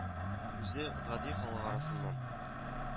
Үзе гади халык арасыннан